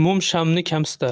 mum shamni kamsitar